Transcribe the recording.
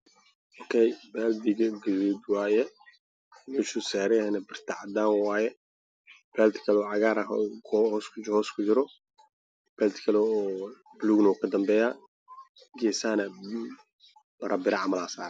Waa zakaal cadaan ah meesha uu saaran yahayna waa cadaan sarkaalka midabkiisa waa guduud waxaa ka dambeeyay sakaal cagaaran